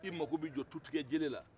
i mako bɛ jɔ tuutigɛjele la